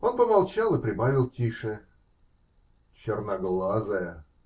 Он помолчал и прибавил тише: -- Черноглазая.